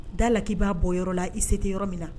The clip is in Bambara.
Da la k'i b'a bɔ yɔrɔ la i se tɛ yɔrɔ min na